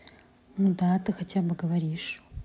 ну да ты хотя бы говоришь